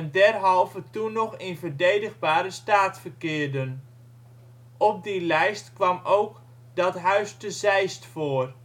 derhalve toen nog in verdedigbare staat verkeerden. Op die lijst kwam ook " Dat huys te Zeyst " voor